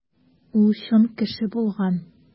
Ул чын кеше булган.